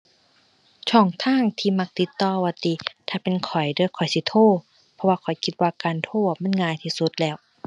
ช่องทางที่มักติดต่อว่าติ ถ้าเป็นข้อยเด้อข้อยสิโทร เพราะว่าข้อยคิดว่าการโทรอะ มันง่ายที่สุดแล้ว